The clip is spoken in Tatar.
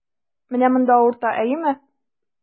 Менә монда авырта, әйеме?